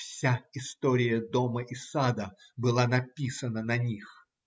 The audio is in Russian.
вся история дома и сада была написана на них.